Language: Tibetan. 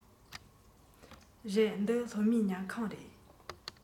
རེད འདི སློབ མའི ཉལ ཁང རེད